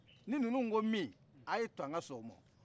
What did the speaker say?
ni nunun ko min a ye tɔ an ka sɔn o ma